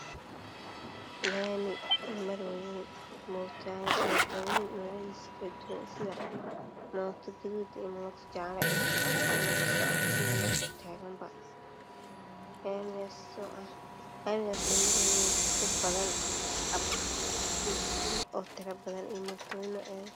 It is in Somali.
Waa laami waxaa maraayo mootooyin kale duwan sida mooto gaduud ah iyo mooto jaale ah. Mid socoto iyo mid taagan, waxaa maraayo dad badan.